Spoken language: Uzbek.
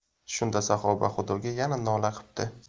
shunda saxoba xudoga yana nola qipti